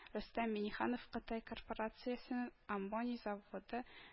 Рөстәм Миңнеханов Кытай корпорациясенең “Аммоний” заводы